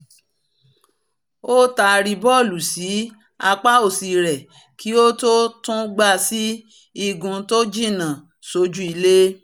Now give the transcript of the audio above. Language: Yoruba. Ó taari bọ́ọ̀lù sí apá òsì rẹ̀ kí ó tó tun gbá sí igun tó jiǹnà sójú ilé.